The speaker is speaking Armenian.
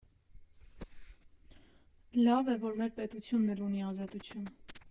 Լավ է, որ մեր պետությունն էլ ունի Ազատություն։